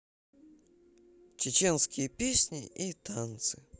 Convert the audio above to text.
чеченские песни и танцы